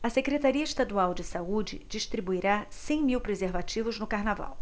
a secretaria estadual de saúde distribuirá cem mil preservativos no carnaval